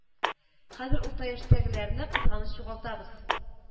Хәзер урта яшьтәгеләрне, кызганыч, югалтабыз